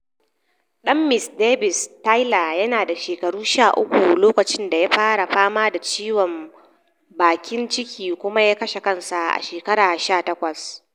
‘Dan Ms Davis, Tyler, yana da shekara 13 lokacin da ya fara fama da ciwon bakin ciki kuma ya kashe kansa a shekara 18.